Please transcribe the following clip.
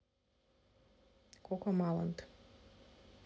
коко маланд